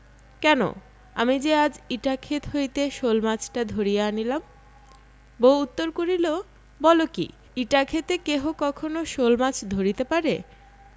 কেন আমি যে আজ ইটা ক্ষেত হইতে শোলমাছটা ধরিয়া আনিলাম বউ উত্তর করিল বল কি ইটা ক্ষেতে কেহ কখনো শোলমাছ ধরিতে পারে